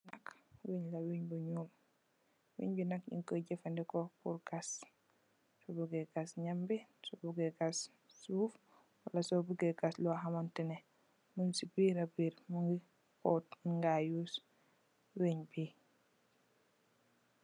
Li nak wën la, wën bu ñuul. Wën bi nak nung ko jafadeko purr gass. So bu gè gass nyabi, so bu gè gass suuf wala so bu gè gass lo hamantene mung ci biira, biir mungi hoot use wèn bi.